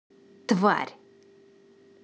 тварь